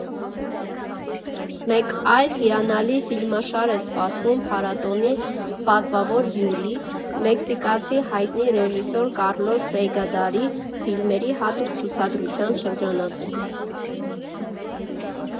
Մեկ այլ հիանալի ֆիլմաշար է սպասվում փառատոնի պատվավոր հյուրի՝ մեքսիկացի հայտնի ռեժիսոր Կառլոս Ռեյգադասի ֆիլմերի հատուկ ցուցադրության շրջանակում.